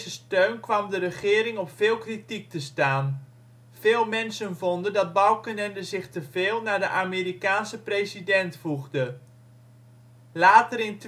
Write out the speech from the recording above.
steun kwam de regering op veel kritiek te staan: veel mensen vonden dat Balkenende zich teveel naar de Amerikaanse president voegde. Later in